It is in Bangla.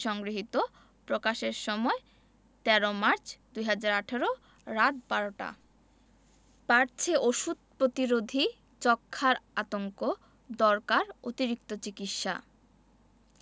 যুগান্তর ডেস্ক হতে সংগৃহীত প্রকাশের সময় ১৩ মার্চ ২০১৮ রাত ১২:০০ টা বাড়ছে ওষুধ প্রতিরোধী যক্ষ্মার আতঙ্ক দরকার অতিরিক্ত চিকিৎসা